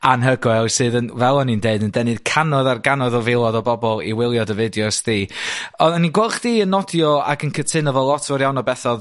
anhygoel sydd yn fel o'n i'n deud, yn denu'r cannoedd ar gannoedd o filoedd o bobol i wylio dy fideos di. Oddan i'n gwel' chdi yn nodio ac yn cytuno 'fo lot fowr iawn o betha odd